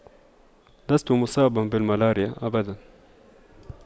لست مصابا بالملاريا أبدا